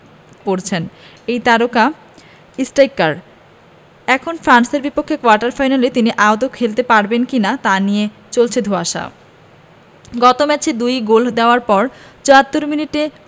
পড়েছেন এই তারকা স্ট্রাইকার এখন ফ্রান্সের বিপক্ষে কোয়ার্টার ফাইনালে তিনি আদৌ খেলতে পারবেন কি না তা নিয়ে চলছে ধোঁয়াশা গত ম্যাচে দুই গোল দেওয়ার পর ৭৪ মিনিটে